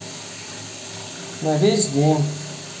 на весь день